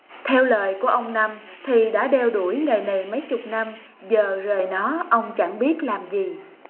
theo lời của ông năm thì đã đeo đuổi nghề này mấy chục năm giờ rời nó ông chẳng biết làm gì